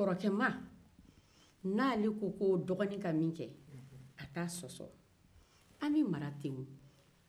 kɔrɔkɛman n'ale ko dɔgɔnin ka min kɛ a t'a sɔsɔ an bɛ mara ten de